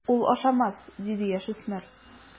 Ул ашамас, - диде яшүсмер.